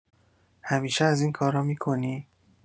همیشه از این کارا می‌کنی؟